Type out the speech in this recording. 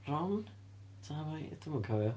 Ron? Ta Hermion- Dwi'm yn cofio.